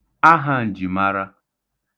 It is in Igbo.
ahāǹjìmārā